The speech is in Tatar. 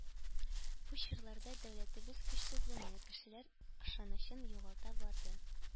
Бу чорларда дәүләтебез көчсезләнә, кешеләр ышанычын югалта барды.